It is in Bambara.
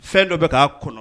Fɛn dɔ bɛ k'a kɔnɔ